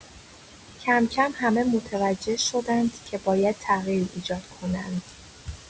کم‌کم همه متوجه شدند که باید تغییری ایجاد کنند.